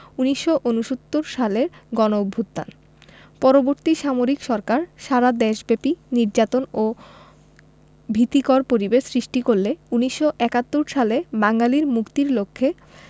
১৯৬৯ সালের গণঅভ্যুত্থান পরবর্তী সামরিক সরকার সারা দেশব্যাপী নির্যাতন ও ভীতিকর পরিবেশ সৃষ্টি করলে ১৯৭১ সালে বাঙালির মুক্তির লক্ষ্যে